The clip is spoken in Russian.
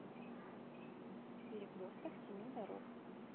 перекресток семи дорог